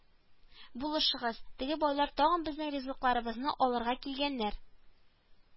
Булышыгыз, теге байлар тагын безнең ризыкларыбызны алырга килгәннәр